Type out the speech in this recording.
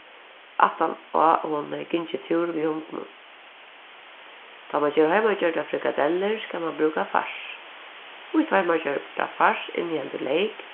aftan á hon hevði gingið túr við hundinum tá mann ger heimagjørdar frikadellur skal mann brúka fars mítt heimagjørda fars inniheldur leyk